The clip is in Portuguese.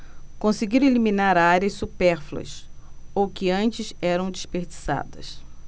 conseguiram eliminar áreas supérfluas ou que antes eram desperdiçadas